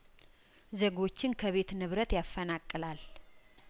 ዜጐችን ከቤትንብረት ያፈናቅላል